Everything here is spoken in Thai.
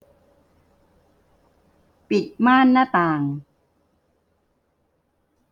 ปิดม่านหน้าต่าง